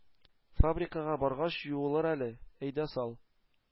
Фабрикага баргач, юылыр әле, әйдә сал!..-